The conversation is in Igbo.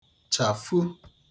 chàfu